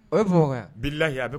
O ye bamakɔ bilayi a